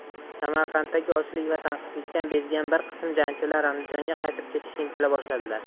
samarqanddagi ochlik va tanqislikdan bezgan bir qism jangchilar andijonga qaytib ketishga intila boshladilar